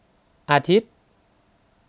อาทิตย์